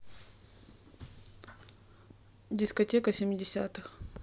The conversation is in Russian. дискотека семидесятых